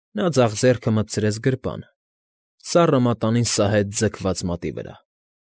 Նա ձախ ձեռքը մտցրեց գրպանը։ Սառը մատանին սահեց ձգված մատի վրա։